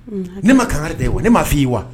. Ne ma kangari da i ye wa, ne m'a fɔ i wa.